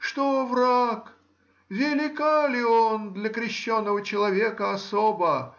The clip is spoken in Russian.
что враг,— велика ли он для крещеного человека особа